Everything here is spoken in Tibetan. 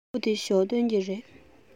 དཀར པོ འདི ཞའོ ཏོན གྱི རེད